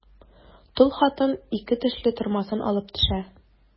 Тол хатын ике тешле тырмасын алып төшә.